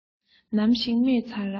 ནམ ཞིག རྨས ཚར རམ